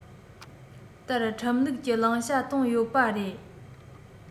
ལྟར ཁྲིམས ལུགས ཀྱི བླང བྱ བཏོན ཡོད པ རེད